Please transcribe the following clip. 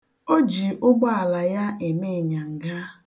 O ji ụgbọala ya eme ịnyanga.